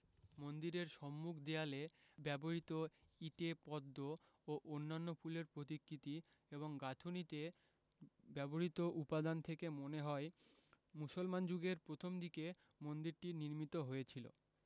মন্দিরের সম্মুখ দেয়ালে ব্যবহূত ইটে পদ্ম ও অন্যান্য ফুলের প্রতিকৃতি এবং গাঁথুনীতে ব্যবহূত উপাদান থেকে মনে হয় মুসলমান যুগের প্রথমদিকে মন্দিরটি নির্মিত হয়েছিল